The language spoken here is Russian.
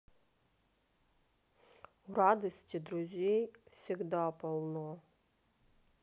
у радости друзей всегда полно